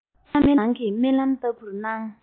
རྨི ལམ ནང གི རྨི ལམ ལྟ བུར སྣང